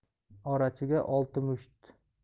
orachiga olti musht